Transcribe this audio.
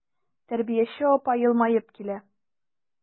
Тәрбияче апа елмаеп килә.